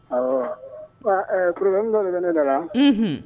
Awɔ, bon ɛ problème dɔ de bɛ ne da la, unhun.